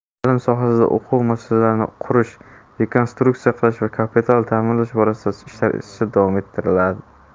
ta'lim sohasida o'quv muassasalarini qurish rekonstruksiya qilish va kapital ta'mirlash borasidagi ishlar izchil davom ettirildi